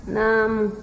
naamu